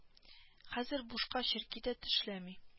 Хәзер бушка черки дә тешләми